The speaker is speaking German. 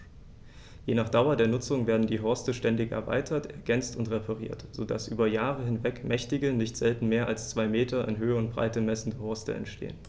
Je nach Dauer der Nutzung werden die Horste ständig erweitert, ergänzt und repariert, so dass über Jahre hinweg mächtige, nicht selten mehr als zwei Meter in Höhe und Breite messende Horste entstehen.